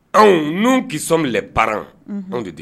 Anw n' kisɔnlɛ paran anw de di